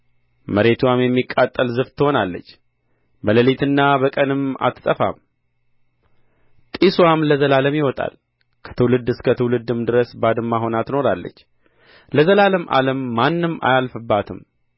መሬትዋም የሚቀጠል ዝፍት ትሆናለች በሌሊትና በቀንም አትጠፋም ጢስዋም ለዘላለም ይወጣል ከትውልድ እስከ ትውልድም ድረስ ባድማ ሆና ትኖራለች ለዘላለም ዓለም ማንም አያልፍባትም